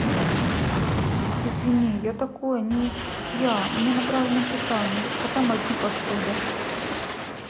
извини я такое не я мне на правильном питании а там одни посуды